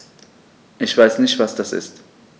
Ich weiß nicht, was das ist.